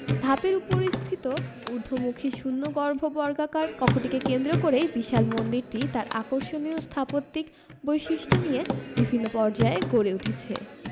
ধাপের উপরিস্থিত ঊর্ধ্বমুখী শূন্যগর্ভ বর্গাকার কক্ষটিকে কেন্দ্র করেই বিশাল মন্দিরটি তার আকর্ষণীয় স্থাপত্যিক বৈশিষ্ট্য নিয়ে বিভিন্ন পর্যায়ে গড়ে উঠেছে